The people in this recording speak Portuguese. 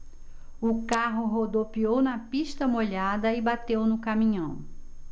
o carro rodopiou na pista molhada e bateu no caminhão